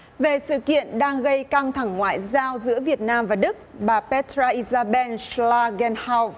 về sự kiện đang gây căng thẳng ngoại giao giữa việt nam và đức bà pét tra ít da beo sờ la gen hau